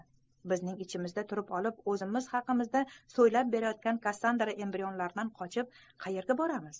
bizning ichimizda turib olib o'zimiz haqimizda so'ylab berayotgan kassandra embrionlardan qochib qayerga boramiz